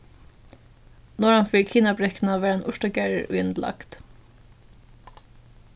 norðan fyri kinabrekkuna var ein urtagarður í eini lægd